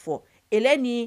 E ni